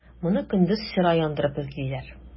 Моны көндез чыра яндырып эзлиләр.